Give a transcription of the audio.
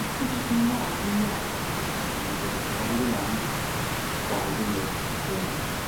dwi jyst mor mor hapus. Ro'dd on dry- anodd i mam gwaed i ynde? Ia.